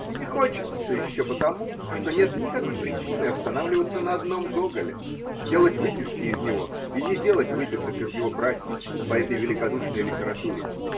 И не хочется еще потому, что нет никакой причины останавливаться на одном Гоголе, делать выписки из него и не делать выписок из его братьев по этой великодушной литературе.